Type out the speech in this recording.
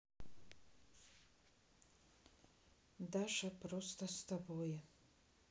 даша просто с тобой